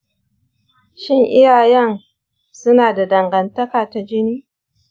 shin iyayen suna da dangantaka ta jini?